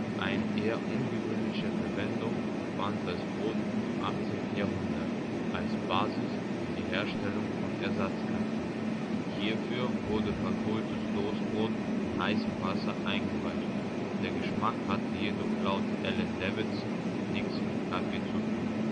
Eine eher ungewöhnliche Verwendung fand das Brot im 18. Jahrhundert als Basis für die Herstellung von Ersatzkaffee. Hierfür wurde verkohltes Toastbrot in heißem Wasser eingeweicht. Der Geschmack hatte jedoch laut Alan Davidson nichts mit Kaffee zu tun